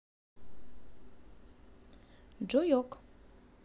joy ок